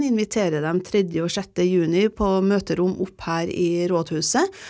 inviterer dem tredje og 6. juni på møterom opp her i rådhuset.